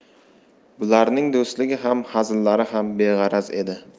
bularning do'stligi ham hazillari ham beg'araz edi